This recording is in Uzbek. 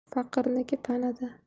faqirniki panada